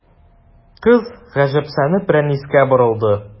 Кыз, гаҗәпсенеп, Рәнискә борылды.